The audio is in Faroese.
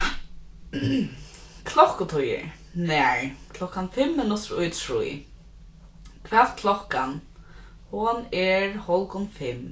klokkutíðir nær klokkan fimm minuttir í trý hvat klokkan hon er hálvgum fimm